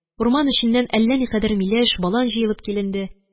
Урман эченнән әллә никадәр миләш, балан җыелып киленде.